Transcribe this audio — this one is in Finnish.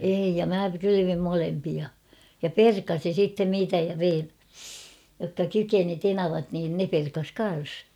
ei ja minä kylvin molempia ja perkasin sitten niitä ja vein jotka kykeni tenavat niin ne perkasi kanssa